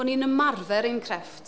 Bod ni'n ymarfer ein crefft.